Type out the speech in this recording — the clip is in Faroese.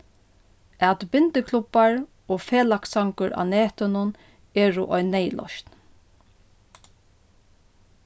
at bindiklubbar og felagssangur á netinum eru ein neyðloysn